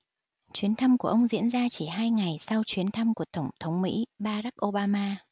chuyến thăm của ông diễn ra chỉ hai ngày sau chuyến thăm của tổng thống mỹ barack obama